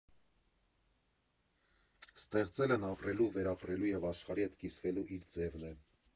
Ստեղծելն ապրելու, վերապրելու և աշխարհի հետ կիսվելու իր ձևն է։